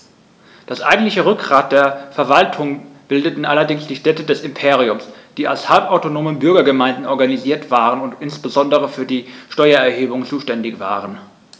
Das eigentliche Rückgrat der Verwaltung bildeten allerdings die Städte des Imperiums, die als halbautonome Bürgergemeinden organisiert waren und insbesondere für die Steuererhebung zuständig waren.